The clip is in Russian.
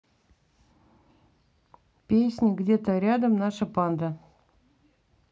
песня где то рядом наша панда